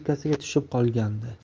yelkasiga tushib qolgandi